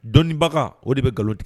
Dɔnnibaga o de bɛ nkalon tigɛ